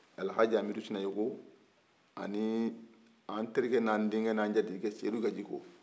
alihaji amidu sinayoko ani terikɛ n'an denkɛ n'an jatigikɛ sedu gajigo